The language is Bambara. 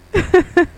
Ɛɛ